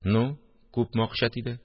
– ну, күпме акча тиде